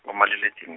kumalile edini-.